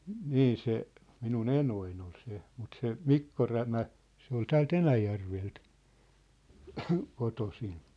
niin se minun enoni oli se mutta se Mikko Rämä se oli täältä Enäjärveltä kotoisin